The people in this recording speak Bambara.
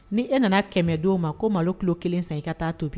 Ni e nana kɛmɛ di ma ko mali ki kelen san i ka taa tobi